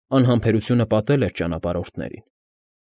Անհամբերությունը պատել էր ճանապարհորդներին։